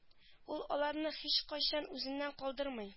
Ул аларны һичкайчан үзеннән калдырмый